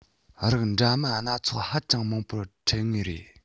རིགས འདྲ མིན སྣ ཚོགས ཧ ཅང མང པོར འཕྲད ངེས རེད